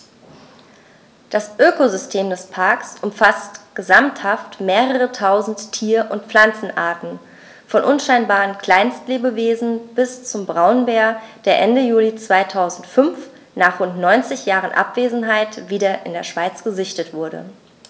Das Ökosystem des Parks umfasst gesamthaft mehrere tausend Tier- und Pflanzenarten, von unscheinbaren Kleinstlebewesen bis zum Braunbär, der Ende Juli 2005, nach rund 90 Jahren Abwesenheit, wieder in der Schweiz gesichtet wurde.